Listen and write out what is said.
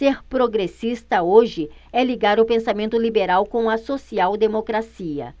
ser progressista hoje é ligar o pensamento liberal com a social democracia